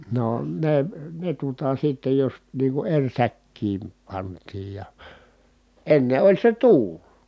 no ne ne tuota sitten jos niin kuin eri säkkiin pantiin ja ennen oli se tuuli